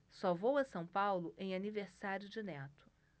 só vou a são paulo em aniversário de neto